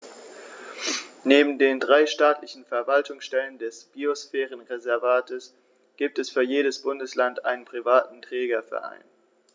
Neben den drei staatlichen Verwaltungsstellen des Biosphärenreservates gibt es für jedes Bundesland einen privaten Trägerverein.